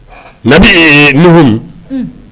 Nabi Nuhumu, un